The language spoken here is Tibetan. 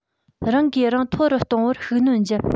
རང གིས རང མཐོ རུ གཏོང བར ཤུགས སྣོན བརྒྱབ